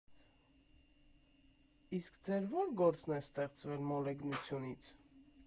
Իսկ ձեր ո՞ր գործն է ստեղծվել մոլեգնությունից։